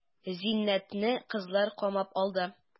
Зиннәтне кызлар камап алды.